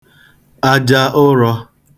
aja ụrọ̄